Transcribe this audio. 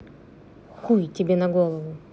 хуй тебе в голову